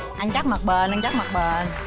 ăn chắc mặc bền ăn chắc mặc bền